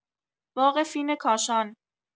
باغ فین کاشان